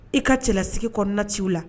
I ka cɛlasigi kɔɔna ciw la